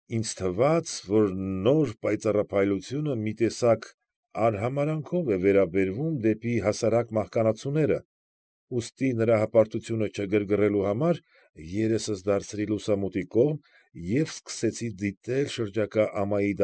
Ինձ թվաց, որ նոր պայծառափայլությունը մի տեսակ արհամարհանքով է վերաբերվում դեպի հասարակ մահկանացուները, ուստի, նրա հպարտությունը չգրգռելու համար երեսս դարձրի լուսամուտի կողմ և սկսեցի դիտել շրջակա ամայի։